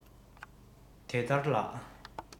དེ ལྟར ལགས